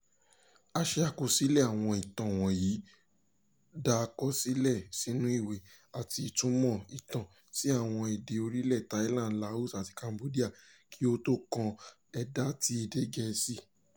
A ṣe àkọsílẹ̀ àwọn ìtàn wọ̀nyí, dà á kọ sílẹ̀ sínú ìwé, àti ìtúmọ̀ ìtàn sí àwọn èdè orílẹ̀ Thailand, Laos, àti Cambodia kí ó tó kan ẹ̀da ti èdè Gẹ̀ẹ́sì.